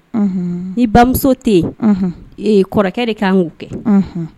Ni bamuso tɛ kɔrɔkɛ de ka'u kɛ